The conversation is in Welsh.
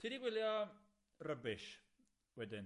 Ti 'di gwylio rubbish wedyn?